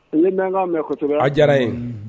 Ale bɛ' mɛn kosɛbɛ diyara ye